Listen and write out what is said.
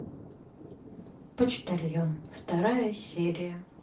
почтальон вторая серия